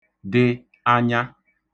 dị anya